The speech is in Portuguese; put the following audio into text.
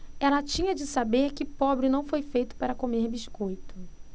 ela tinha de saber que pobre não foi feito para comer biscoito